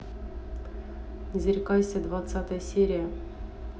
не зарекайся двадцатая серия